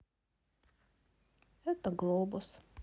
это глобус